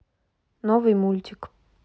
новый мультик